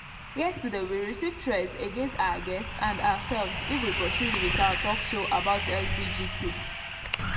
Yesterday we received threats against our guests and ourselves if we proceed with our talk show about LGBT.